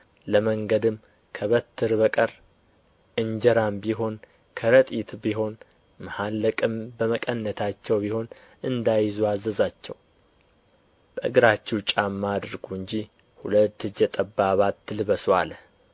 ለመንገድም ከበትር በቀር እንጀራም ቢሆን ከረጢትም ቢሆን መሐለቅም በመቀነታቸው ቢሆን እንዳይዙ አዘዛቸው በእግራችሁ ጫማ አድርጉ እንጂ ሁለት እጀ ጠባብ አትልበሱ አለ